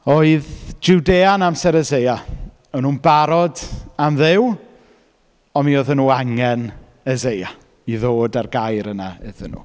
Oedd Jwdea yn amser Eseia... o'n nhw'n barod am Dduw ond mi oedden nhw angen Eseia i ddod â'r gair yna iddyn nhw.